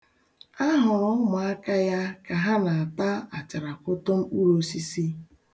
A hụrụ ụmụaka ya ka ha na-ata acharakwoto mkpụrụosisi.